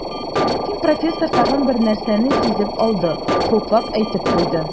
Ләкин профессор тагын бер нәрсәне сизеп алды, хуплап әйтеп куйды.